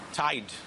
Taid.